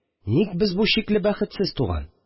Ник без бу чикле бәхетсез туган